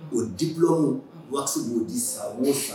O diplome